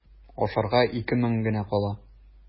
Ашарга ике мең генә кала.